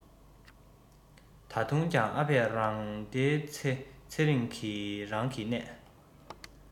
ད དུང ཀྱང ཨ ཕས རང དེའི ཚེ ཚེ རིང གི རང གི གནད